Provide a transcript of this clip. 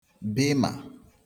bị̀mà